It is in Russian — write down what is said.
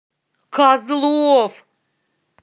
козлов